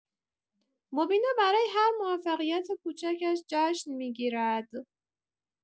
مبینا برای هر موفقیت کوچکش جشن می‌گیرد.